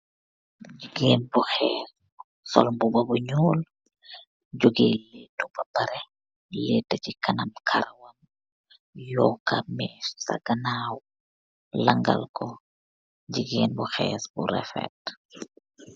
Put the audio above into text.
Gigain bu khess sol mbuba bu njull, jogeh lehtu bah pareh, lehtah chi kanam karawam, yokah meeche sa ganaw langal kor, gigain bu khess bu rafet.